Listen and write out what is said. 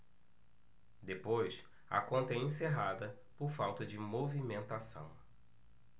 depois a conta é encerrada por falta de movimentação